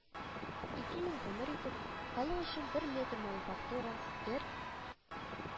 Ике ел гомер итеп, халык өчен бер метр мануфактура, бер